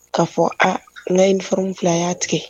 Ka'a fɔ a layi ffilaya tigɛ